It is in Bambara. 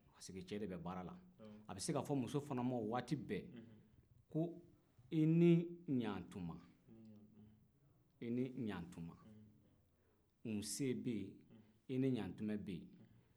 parike cɛ de bɛ baara la a bɛ se ka fɔ muso fana ma waati bɛɛ ko i ni ɲaatuma i ni ɲaatuma nse bɛ ye i ni ɲaatuma bɛ yen